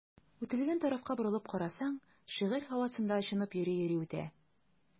Үтелгән тарафка борылып карасаң, шигырь һавасында очынып йөри-йөри үтә.